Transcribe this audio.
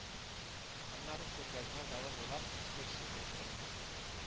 Аннары күргәзмә залы буйлап экскурсия оештырылды